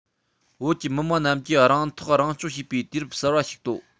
བོད ཀྱི མི དམངས རྣམས ཀྱིས རང ཐག རང གཅོད བྱེད པའི དུས རབས གསར པ ཞིག བཏོད